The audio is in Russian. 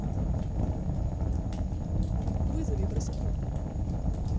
вызови проститутку